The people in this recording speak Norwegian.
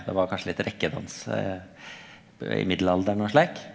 det var kanskje litt rekkedans i mellomalderen og slik.